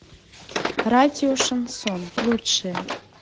радио шансон лучшее